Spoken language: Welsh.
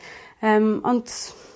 ... yym ont